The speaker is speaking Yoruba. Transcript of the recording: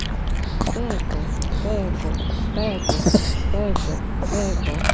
"Bẹ́ẹ̀kọ́, bẹ́ẹ̀kọ́, bẹ́ẹ̀kọ́, bẹ́ẹ̀kọ́ , bẹ́ẹ̀kọ́.